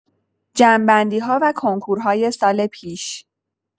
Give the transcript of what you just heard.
جمع بندی‌ها و کنکورهای سال پیش